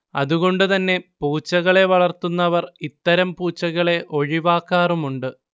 അതുകൊണ്ട് തന്നെ പൂച്ചകളെ വളർത്തുന്നവർ ഇത്തരം പൂച്ചകളെ ഒഴിവാക്കാറുമുണ്ട്